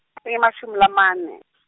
ingemashumi lamane.